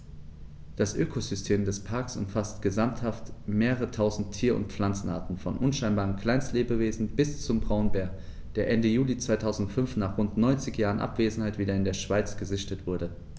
Das Ökosystem des Parks umfasst gesamthaft mehrere tausend Tier- und Pflanzenarten, von unscheinbaren Kleinstlebewesen bis zum Braunbär, der Ende Juli 2005, nach rund 90 Jahren Abwesenheit, wieder in der Schweiz gesichtet wurde.